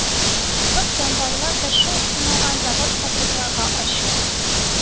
Лык җанварлар да шул саналган завод-фабрикаларга ачу